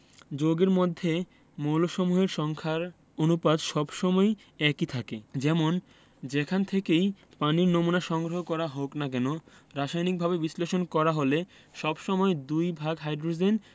যৌগের মধ্যে মৌলসমূহের সংখ্যার অনুপাত সব সময় একই থাকে যেমন যেখান থেকেই পানির নমুনা সংগ্রহ করা হোক না কেন রাসায়নিকভাবে বিশ্লেষণ করা হলে সব সময় দুই ভাগ হাইড্রোজেন